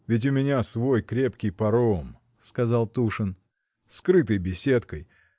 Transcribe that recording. — Ведь у меня свой крепкий паром, — сказал Тушин, — с крытой беседкой.